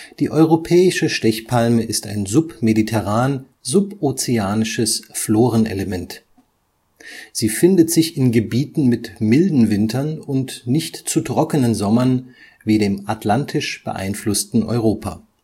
Die Europäische Stechpalme ist ein submediterran-subozeanisches Florenelement. Sie findet sich in Gebieten mit milden Wintern und nicht zu trockenen Sommern wie dem atlantisch beeinflussten Europa